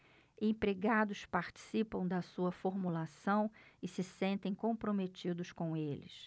empregados participam da sua formulação e se sentem comprometidos com eles